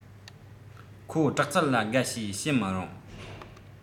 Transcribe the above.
ཁོ དྲག རྩལ ལ དགའ ཞེས བཤད མི རུང